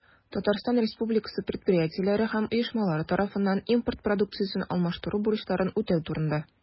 Татарстан Республикасы предприятиеләре һәм оешмалары тарафыннан импорт продукциясен алмаштыру бурычларын үтәү турында.